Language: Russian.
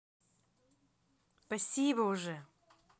спасибо уже